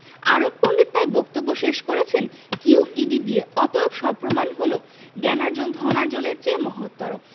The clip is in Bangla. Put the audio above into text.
আরব পণ্ডিত তাই বক্তব্য শেষ করেছেন কিউ ই ডি দিয়ে অতএব সপ্রমাণ হল জ্ঞানার্জন ধনার্জনের চেয়ে মহত্তর